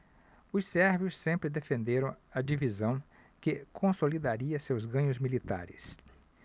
os sérvios sempre defenderam a divisão que consolidaria seus ganhos militares